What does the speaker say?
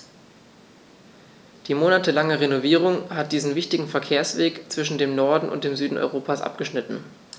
Die monatelange Renovierung hat diesen wichtigen Verkehrsweg zwischen dem Norden und dem Süden Europas abgeschnitten.